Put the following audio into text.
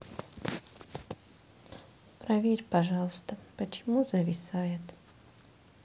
проверь пожалуйста почему зависает